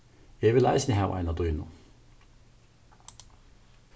eg vil eisini hava eina dýnu